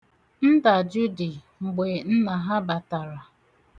Ndajụ dị mgbe nna ha batara.